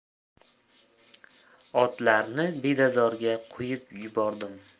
otlarni bedazorga qo'yib yubordim